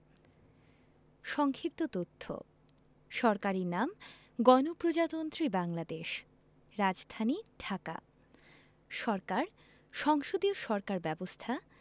সংক্ষিপ্ত তথ্য সরকারি নামঃ গণপ্রজাতন্ত্রী বাংলাদেশ রাজধানীঃ ঢাকা সরকারঃ সংসদীয় সরকার ব্যবস্থা